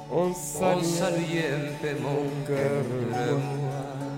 On saa saluait